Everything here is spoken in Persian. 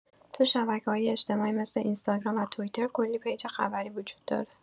تو شبکه‌های اجتماعی مثل اینستاگرام و توییتر کلی پیج خبری وجود داره.